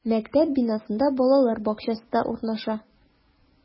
Мәктәп бинасында балалар бакчасы да урнаша.